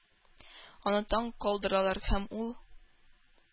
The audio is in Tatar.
Аны таң калдыралар, һәм ул